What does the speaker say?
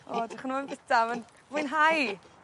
O 'dych chi moy'n bita ma'n fwynhau.